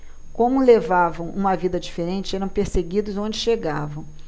como levavam uma vida diferente eram perseguidos onde chegavam